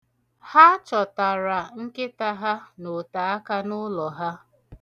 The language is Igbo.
Ha chọtara nkịta ha n'otaaka n'ụlọ ha.